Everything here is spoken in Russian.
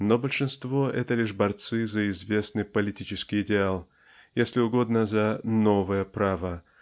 но большинство -- это лишь борцы за известный политический идеал если угодно за "новое право"